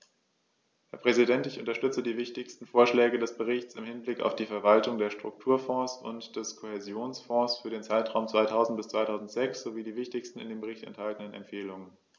Herr Präsident, ich unterstütze die wichtigsten Vorschläge des Berichts im Hinblick auf die Verwaltung der Strukturfonds und des Kohäsionsfonds für den Zeitraum 2000-2006 sowie die wichtigsten in dem Bericht enthaltenen Empfehlungen.